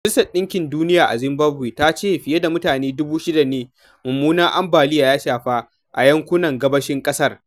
Majalisar Ɗinkin Duniya a Zimbabwe ta ce fiye da mutane 8,000 ne mummunan ambaliya ya shafa a yankunan gabashin ƙasar.